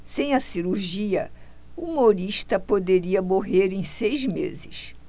sem a cirurgia humorista poderia morrer em seis meses